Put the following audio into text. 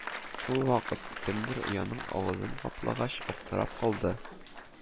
Шул вакыт кемдер ояның авызын каплагач, аптырап калды: